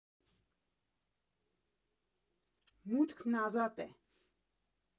Մուտքն ազատ է։